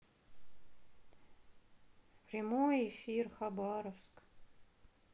прямой эфир хабаровск